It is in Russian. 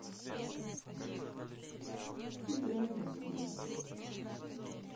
играй до смерти